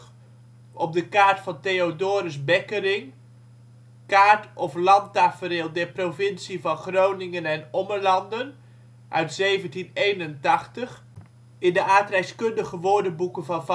op de kaart van Theodorus Beckeringh, " Kaart of Landtafereel der Provincie van Groningen en Ommelanden " (1781), in de Aardrijkskundige woordenboeken van